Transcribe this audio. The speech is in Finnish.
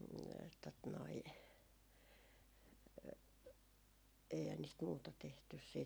tuota noin eihän niistä muuta tehty sitten ja